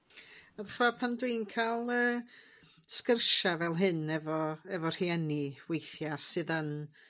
A dych ch'mod pan dw i'n ca'l y sgyrsia' fel hyn efo efo rhieni weithia sydd yn